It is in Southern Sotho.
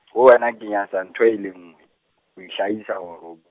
ho wena ke nyatsa ntho e le nngwe, ho itlhahisa hore o b-.